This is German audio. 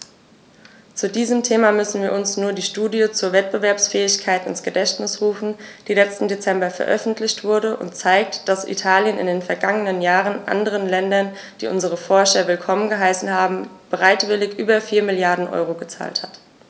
Zu diesem Thema müssen wir uns nur die Studie zur Wettbewerbsfähigkeit ins Gedächtnis rufen, die letzten Dezember veröffentlicht wurde und zeigt, dass Italien in den vergangenen Jahren anderen Ländern, die unsere Forscher willkommen geheißen haben, bereitwillig über 4 Mrd. EUR gezahlt hat.